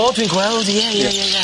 O dwi'n gweld ie ie ie ie.